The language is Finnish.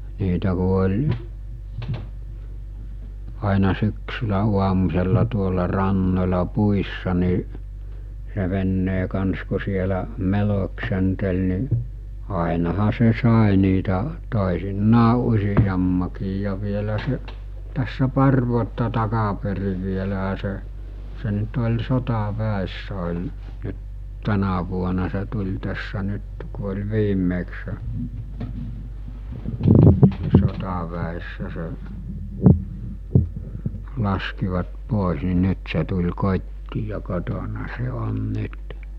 niitä kun oli aina syksyllä aamusella tuolla rannoilla puissa niin se veneen kanssa kun siellä meloskenteli niin ainahan se sai niitä toisinaan useammankin ja vielä se tässä pari vuotta takaperin vielähän se se nyt oli sotaväessä oli nyt tänä vuonna se tuli tässä nyt kun oli viimeksi niin sotaväessä se laskivat pois niin nyt se tuli kotiin ja kotona se on nyt